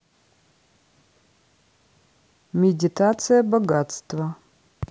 медитация богатства